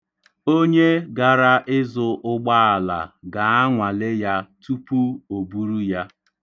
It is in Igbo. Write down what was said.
Onye gara ịzụ ugbaala ga-anwale ya tupu o buru ya.